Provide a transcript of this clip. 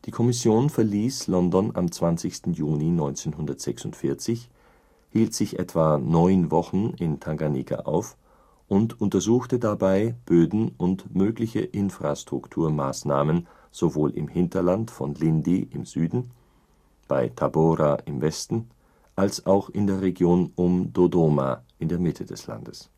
Kommission verließ London am 20. Juni 1946, hielt sich etwa neun Wochen in Tanganyika auf und untersuchte dabei Böden und mögliche Infrastrukturmaßnahmen sowohl im Hinterland von Lindi im Süden, bei Tabora im Westen, als auch in der Region um Dodoma in der Mitte des Landes